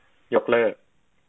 ยกเลิก